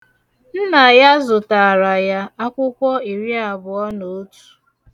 Nna ya zụtaara ya akwụkwọ iriabụọ na otu.